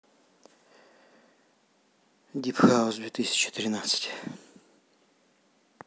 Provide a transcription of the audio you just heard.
дип хаус две тысячи тринадцать